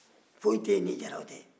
foyi tɛ ye ni jaraw tɛ